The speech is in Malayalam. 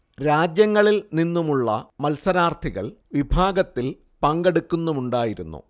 രാജ്യങ്ങളിൽ നിന്നുമുള്ള മത്സരാർത്ഥികൾ വിഭാഗത്തിൽ പങ്കെടുക്കുന്നുണ്ടായിരുന്നു